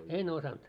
en osannut